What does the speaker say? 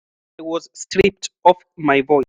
I was stripped of my voice!